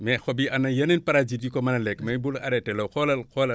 mais xob yi am na yeneen parasites yu ko mën a lekk mais bul arrêté loo xoolal xoolal